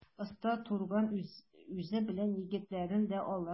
Оста Тугран үзе белән егетләрен дә алыр.